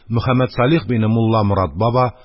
Мөхәммәдсалих бине Мулламорад баба